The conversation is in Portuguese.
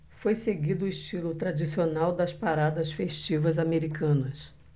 foi seguido o estilo tradicional das paradas festivas americanas